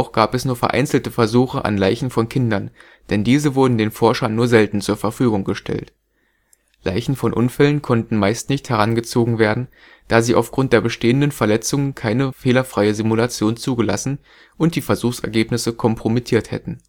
gab es nur vereinzelte Versuche an Leichen von Kindern, denn diese wurden den Forschern nur selten zur Verfügung gestellt. Leichen von Unfällen konnten meist nicht herangezogen werden, da sie aufgrund der bestehenden Verletzungen keine fehlerfreie Simulation zugelassen und die Versuchsergebnisse kompromittiert hätten